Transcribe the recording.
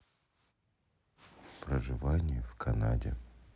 проживание в канаде